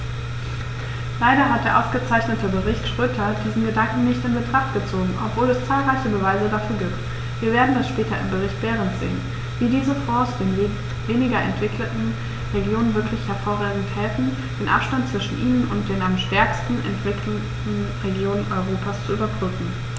Leider hat der ausgezeichnete Bericht Schroedter diesen Gedanken nicht in Betracht gezogen, obwohl es zahlreiche Beweise dafür gibt - wir werden das später im Bericht Berend sehen -, wie diese Fonds den weniger entwickelten Regionen wirklich hervorragend helfen, den Abstand zwischen ihnen und den am stärksten entwickelten Regionen Europas zu überbrücken.